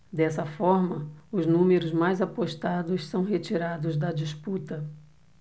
dessa forma os números mais apostados são retirados da disputa